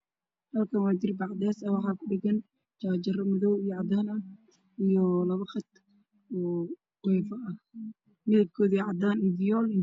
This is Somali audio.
Halkaan waa darbi cadeys ah waxaa kudhagan jaajaro madow iyo cadaan ah iyo labo qad oo wayfi ah midabkiisu waa cadaan iyo fiyool.